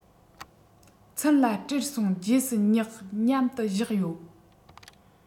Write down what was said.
ཚུན ལ བྲེལ སོང རྗེས སུ བསྙེགས མཉམ དུ བཞག ཡོད